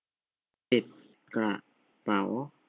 ปิดกระเป๋า